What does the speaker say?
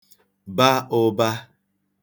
ba ụ̄bā